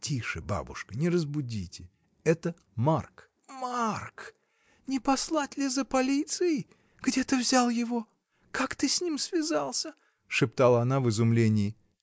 — Тише, бабушка, не разбудите: это Марк. — Марк! Не послать ли за полицией? Где ты взял его? Как ты с ним связался? — шептала она в изумлении.